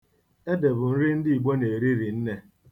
Ede bụ nri ndị Igbo na-eri rinne.